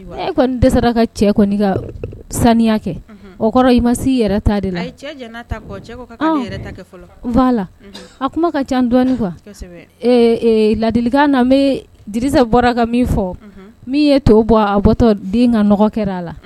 E kɔni dɛsɛ sera ka cɛ kɔni ka saniya kɛ o kɔrɔ i ma se yɛrɛ ta de la la a kuma ka ca dɔɔnin kuwa ladilikan na bɛ di bɔra ka min fɔ min ye to bɔ a bɔtɔ den ka kɛra a la